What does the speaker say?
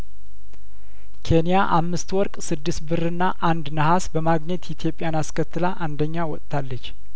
ኬንያ አምስት ወርቅ ስድስት ብርና አንድ ነሀስ በማግኘት ኢትዮጵያን አስከትላ አንደኛ ወጥታለች